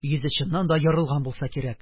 Йөзе чыннан да ярылган булса кирәк